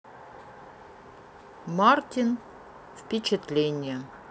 мартин впечатление